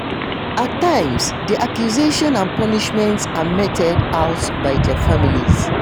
At times, the accusations and punishment are meted out by their families.